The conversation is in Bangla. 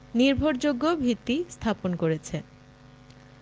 নির্ভরযোগ্য ভিত্তি স্থাপন করেছে